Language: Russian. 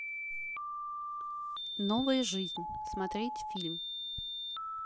новая жизнь смотреть фильм